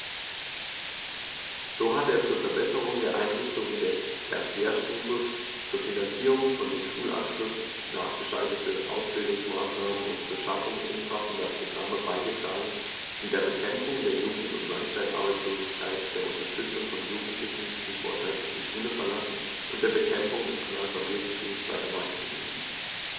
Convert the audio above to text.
So hat er zur Verbesserung der Einrichtungen der Tertiärstufe, zur Finanzierung von dem Schulabschluß nachgeschalteten Ausbildungsmaßnahmen und zur Schaffung umfassender Programme beigetragen, die der Bekämpfung der Jugend- und Langzeitarbeitslosigkeit, der Unterstützung von Jugendlichen, die vorzeitig die Schule verlassen, und der Bekämpfung des Analphabetentums bei Erwachsenen dienen.